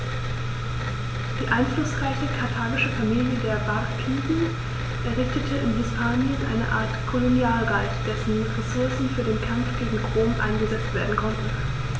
Die einflussreiche karthagische Familie der Barkiden errichtete in Hispanien eine Art Kolonialreich, dessen Ressourcen für den Kampf gegen Rom eingesetzt werden konnten.